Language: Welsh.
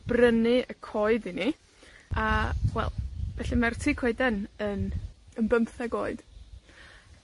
brynu y coed i ni, a, wel, felly mae'r tŷ coeden yn yn bymtheg oed.